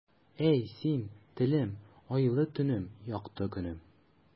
Әй, син, телем, айлы төнем, якты көнем.